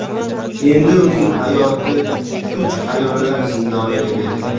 endi uning hayoti puch xayollar zindoniga berkilgan